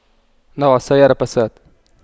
نوع السيارة باسات